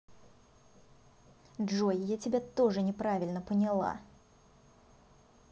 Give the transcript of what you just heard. джой я тебя тоже неправильно поняла